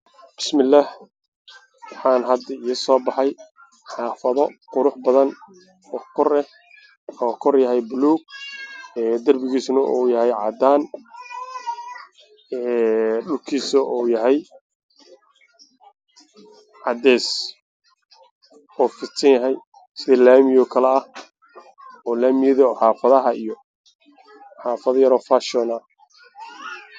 Bismillah waxa hada ii so baxay Xafado qurux badan kor oo kor yahay baluug darbigiisuna yahay Cadaan dhulkiisu oo yahay cadeys oo fidsan yahay sida laamiga oo kala ah oo lamiyada xafadaha xafado yaroo faashiyon ah